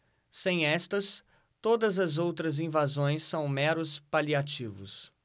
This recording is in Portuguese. sem estas todas as outras invasões são meros paliativos